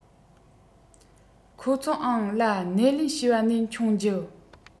ཁོ ཚོའང ལ སྣེ ལེན ཞུས པ ནས མཆོང རྒྱུ